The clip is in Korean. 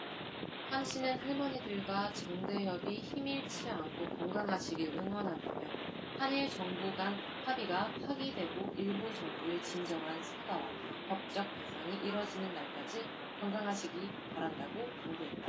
함씨는 할머니들과 정대협이 힘 잃지 않고 건강하시길 응원한다며 한일 정부 간 합의가 파기되고 일본 정부의 진정한 사과와 법적 배상이 이뤄지는 날까지 건강하시기 바란다고 당부했다